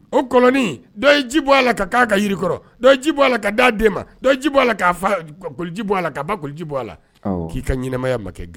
O ji bɔ a laa ka jirikɔrɔji b' a la ka d da den ma ji' a la'aji bɔ a la ka ba kuluji bɔ a la k'i ka ɲmaya ma gan